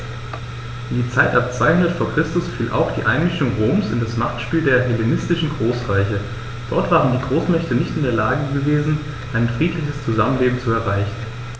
In die Zeit ab 200 v. Chr. fiel auch die Einmischung Roms in das Machtspiel der hellenistischen Großreiche: Dort waren die Großmächte nicht in der Lage gewesen, ein friedliches Zusammenleben zu erreichen.